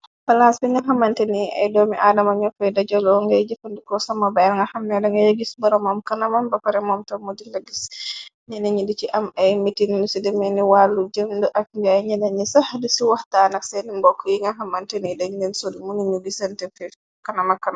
Palaas bi nga xamante ni ay doomi adama ñofey dajaloo ngay jëfandikoo sama bayer nga xamne la ngaya gis boromam kanaman baparemomta mu dila gis ñene ñi di ci am ay mitinnu ci demeeni wàllu jënd ak njaay ñene ñi sax di ci waxtaanak seeni mbokk yi nga xamanteni dañi neen sodi mu nañu bisante kanamakkn.